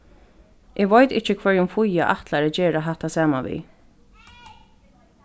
eg veit ikki hvørjum fía ætlar at gera hatta saman við